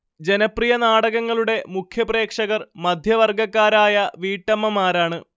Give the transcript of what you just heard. ജനപ്രിയ നാടകങ്ങളുടെ മുഖ്യ പ്രേക്ഷകർ മധ്യവർഗക്കാരായ വീട്ടമ്മമാരാണ്